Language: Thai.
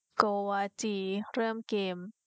โกวาจีเริ่มเกม